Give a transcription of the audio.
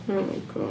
Oh my God.